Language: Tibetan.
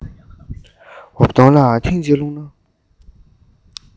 འོབ དོང ལ ཐེངས གཅིག ལྷུང ན